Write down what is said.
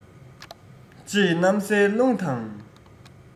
ཅེས གནམ སའི རླུང དང